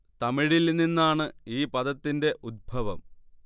തമിഴിൽ നിന്നാണ് ഈ പദത്തിന്റെ ഉദ്ഭവം